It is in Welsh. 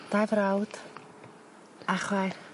Dau frawd a chwaer.